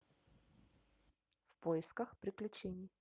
в поисках приключений